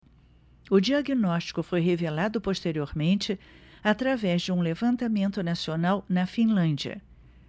o diagnóstico foi revelado posteriormente através de um levantamento nacional na finlândia